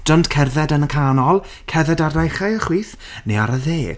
Don't cerdded yn y canol! Cerdded ar naill ai y chwith, neu ar y dde.